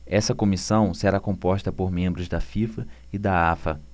essa comissão será composta por membros da fifa e da afa